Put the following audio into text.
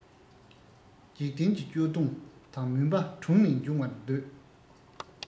འཇིག རྟེན གྱི སྐྱོ གདུང དང མུན པ དྲུངས ནས དབྱུང བར འདོད